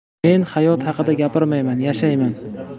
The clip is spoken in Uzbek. men hayot haqida gapirmayman yashayman